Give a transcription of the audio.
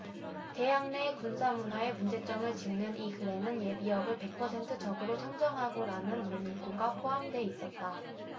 대학 내 군사 문화의 문제점을 짚는 이 글에는 예비역을 백 퍼센트 적으로 상정하고라는 문구가 포함돼 있었다